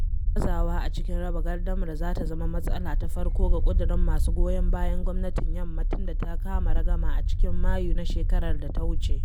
Wata gazawa a cikin raba gardamar za ta zama matsala ta farko ga ƙudurin masu goyon bayan gwamnatin Yamma tun da ta kama ragama a cikin Mayu na shekarar da ta wuce.